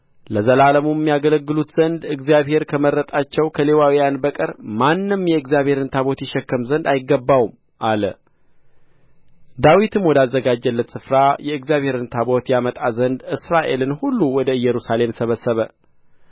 ለዘላለሙም ያገለግሉት ዘንድ እግዚአብሔር ከመረጣቸው ከሌዋውያን በቀር ማንም የእግዚአብሔርን ታቦት ይሸከም ዘንድ አይገባውም አለ ዳዊትም ወዳዘጋጀለት ስፍራ የእግዚአብሔርን ታቦት ያመጣ ዘንድ እስራኤልን ሁሉ ወደ ኢየሩሳሌም ሰበሰበ